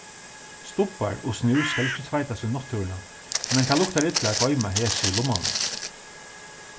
stubbar og snús skal ikki tveitast í náttúruna men tað luktar illa at goyma hesi í lummanum